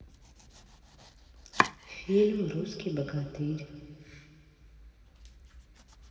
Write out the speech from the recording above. фильм русский богатырь